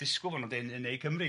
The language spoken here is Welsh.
Disgwl, maen nhw'n deud yn Ne Cymru.